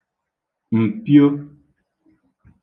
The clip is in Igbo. m̀pio